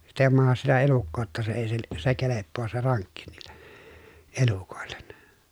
sitä ei mahda sitä elukkaa jotta se ei - se kelpaa se rankki niille elukoille